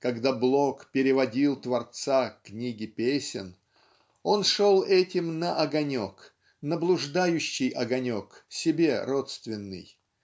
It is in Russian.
когда Блок переводил творца Книги песен он шел этим на огонек на блуждающий огонек себе родственный.